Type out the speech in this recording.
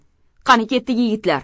qani ketdik yigitlar